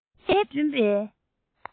མཁས པས བསྐྲུན པའི